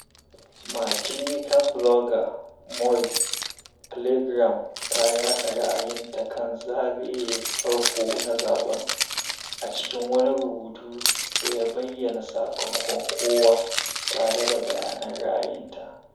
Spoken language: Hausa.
Martinican blogger [moi]'s playground ta yaɗa ra'ayinta kan zagaye farko na zaɓen, a cikin wani rubutu da ya bayyana sakamakon kowa, tare da bayanan ra’ayinta.